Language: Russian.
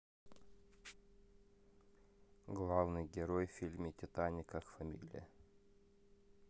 главный герой в фильме титаник как фамилия